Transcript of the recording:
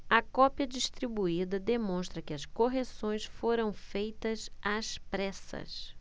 a cópia distribuída demonstra que as correções foram feitas às pressas